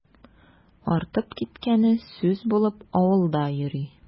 Артып киткәне сүз булып авылда йөри.